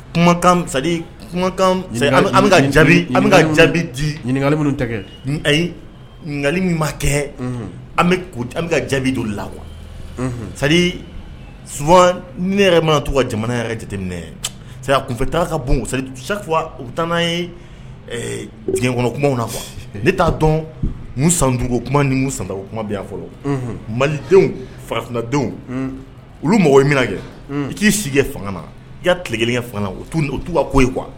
Kan an bɛ jaabi di ɲininkaani tɛ ayili ma kɛ an an bɛ ka jaabi dun lawa su ni ne yɛrɛ mana to ka jamana yɛrɛ jateminɛ sa tunfɛ taa ka bon sa u taa n' ye diɲɛ kɔnɔ kumaw na fɔ ne t'a dɔn sandugu kuma ni san kuma bɛ yan fɔlɔ malidenw farafindenw olu mɔgɔ in mina kɛ i t'i sigi fanga na i ka tile kelenkɛ fanga u'u ka ko ye kuwa